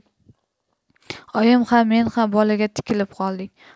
oyim ham men ham bolaga tikilib qoldik